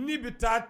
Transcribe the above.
Ni bɛ taa